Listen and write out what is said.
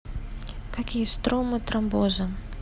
какие стромы тромбоза